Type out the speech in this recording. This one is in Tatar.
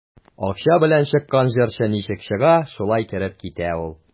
Акча белән чыккан җырчы ничек чыга, шулай кереп китә ул.